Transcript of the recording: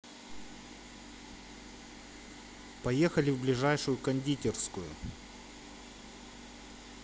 поехали в ближайшую кондитерскую